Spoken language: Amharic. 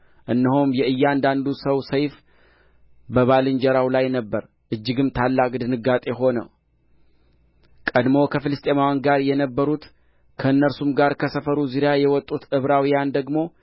እነሆም የእያንዳንዱ ሰው ሰይፍ በባልንጀራው ላይ ነበረ እጅግም ታላቅ ድንጋጤ ሆነ ቀድሞ ከፍልስጥኤማውያን ጋር የነበሩት ከእነርሱም ጋር ከሰፈሩ ዙሪያ የወጡት ዕብራውያን ደግሞ